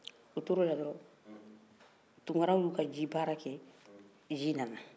u tora o la dɔrɔ tunkaraw ye u ka jibaara kɛ ji nana